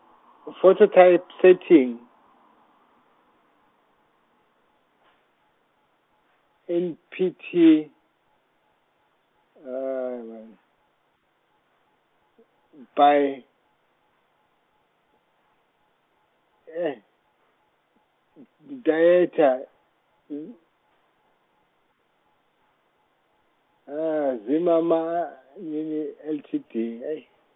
phototypesetting , in P T by Dieter Z- Zimmerma- L T D .